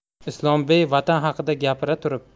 ismoilbey vatan haqida gapira turib